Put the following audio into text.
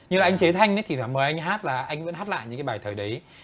như anh chế thanh đấy thỉnh thoảng mời anh ý hát là anh vẫn hát lại những cái bài thời đấy